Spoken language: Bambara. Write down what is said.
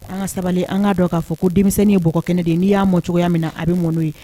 An ka sabali an k'a dɔn k'a fɔ ko denmisɛnnin yeɔgɔ kɛnɛ ne ye n'i y'a mɔ cogoya min na a bɛ m n'o ye